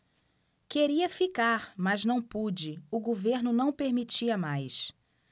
queria ficar mas não pude o governo não permitia mais